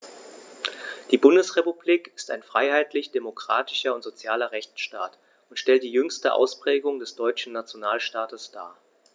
Die Bundesrepublik ist ein freiheitlich-demokratischer und sozialer Rechtsstaat und stellt die jüngste Ausprägung des deutschen Nationalstaates dar.